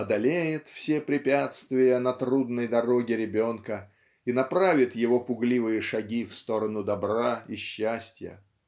одолеет все препятствия на трудной дороге ребенка и направит ею пугливые шаги в сторону добра и счастья.